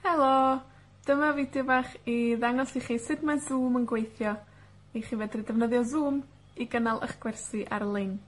Helo. Dyma fideo bach i ddangos i chi sut mae Zoom yn gweithio, iI chi fedru defnyddio Zoom i gynnal 'ych gwersi ar-lein.